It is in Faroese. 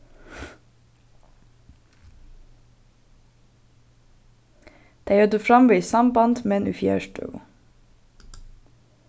tey høvdu framvegis samband men í fjarstøðu